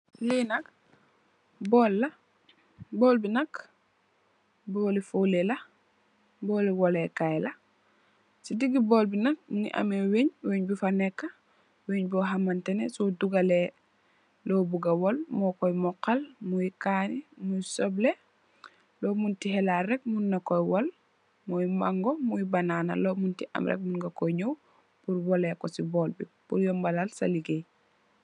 Lii nak bool la, bool bi nak, booli fooli la, booli walekaay la, si digg bool bi nak, mingi ame wenj, wenj bu fa neka, wenj bo xamantene, bo dugale lu buga wal mu koy mokal, muy kane, muy soble, lo monti xelat rek, mung na koy wal, muy mango, muy banana, lo muti am rek, mangu koy nyaw pur wale ko si bool bi, pur yobale sa ligaay.